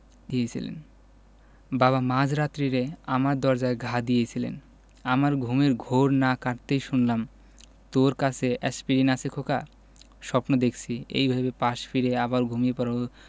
দিয়েছিলেন বাবা মাঝ রাত্তিরে আমার দরজায় ঘা দিয়েছিলেন আমার ঘুমের ঘোর না কাটতেই শুনলাম তোর কাছে এ্যাসপিরিন আছে খোকা স্বপ্ন দেখছি এই ভেবে পাশে ফিরে আবার ঘুমিয়ে পড়ার